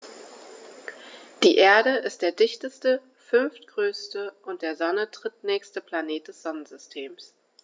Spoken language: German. Die Erde ist der dichteste, fünftgrößte und der Sonne drittnächste Planet des Sonnensystems.